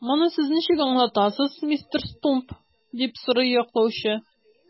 Моны сез ничек аңлатасыз, мистер Стумп? - дип сорый яклаучы.